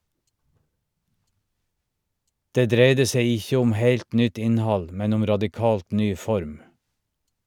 Det dreidde seg ikkje om heilt nytt innhald, men om radikalt ny form.